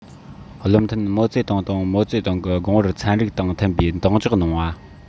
བློ མཐུན མའོ ཙེ ཏུང དང མའོ ཙེ ཏུང གི དགོངས པར ཚན རིག དང མཐུན པའི གདེང འཇོག གནང བ